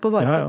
ja ja.